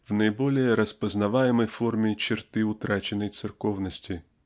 в наиболее распознаваемой форме черты утраченной церковности.